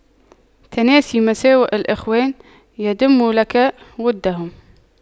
تناس مساوئ الإخوان يدم لك وُدُّهُمْ